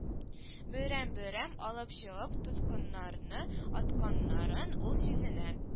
Берәм-берәм алып чыгып тоткыннарны атканнарын ул сизенә